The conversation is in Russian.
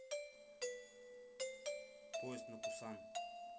поезд на пусан